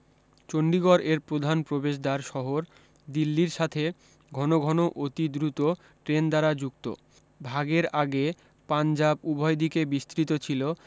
চন্ডীগড় এর প্রধান প্রবেশদ্বার শহর দিল্লীর সাথে ঘন ঘন অতি দ্রুত ট্রেন দ্বারা যুক্ত ভাগের আগে পাঞ্জাব উভয় দিকে বিস্তৃত ছিল